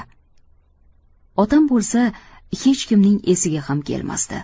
otam bo'lsa hech kimning esiga ham kelmasdi